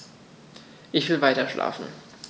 Ich will weiterschlafen.